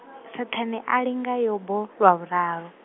Saṱhane a linga Yobo, lwa vhuraru.